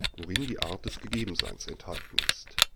worin die Art des Gegebenseins enthalten ist